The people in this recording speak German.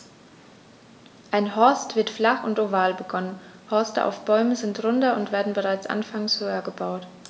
Ein Horst wird flach und oval begonnen, Horste auf Bäumen sind runder und werden bereits anfangs höher gebaut.